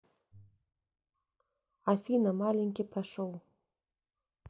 афина маленький пошел